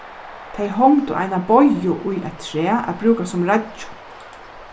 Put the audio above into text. tey hongdu eina boyu í eitt træ at brúka sum reiggju